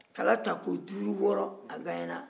kala tako duuru wɔɔrɔ a gagnera